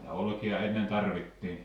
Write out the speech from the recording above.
ja olkia ennen tarvittiin